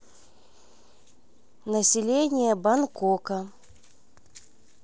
население бангкока